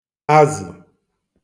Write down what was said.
azè